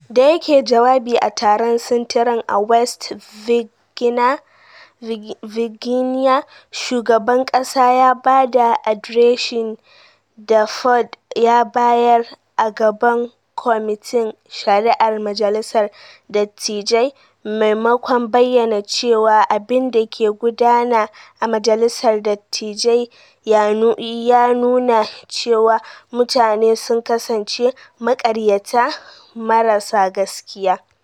Da yake jawabi a taron sintirin a West Virginia, shugaban kasa ya ba da adireshin da Ford ya bayar a gaban komitin shari'ar Majalisar Dattijai, maimakon bayyana cewa abin da ke gudana a Majalisar Dattijai ya nuna cewa mutane sun kasance "maƙaryata marar sa gaskiya."